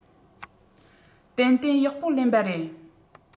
ཏན ཏན ཡག པོ ལེན པ རེད